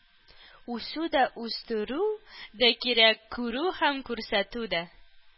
Үсү дә үстерү дә кирәк, күрү һәм күрсәтү дә.